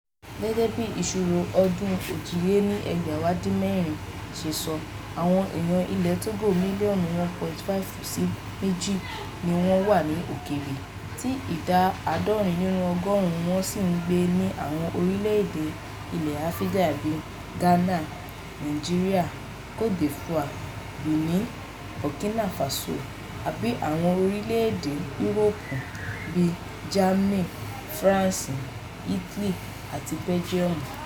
Gẹ́gẹ́ bí ìṣirò ọdún 2016 ṣe sọ, àwọn èèyàn ilẹ̀ Togo mílíọ̀nù 1.5 sí 2 ní wọ́n wà ní òkèèrè, tí ìdá 80 nínú ọgọ́rùn-ún wọn ń gbé ní àwọn orílẹ̀-èdè ilẹ̀ Áfíríkà bíi Ghana, Nigeria, Côte d'Ivoire, Benin, Burkina Faso, àbí àwọn orílẹ̀-èdè Europe bíi Germany, France, Italy àti Belgium.